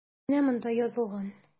Менә монда язылган.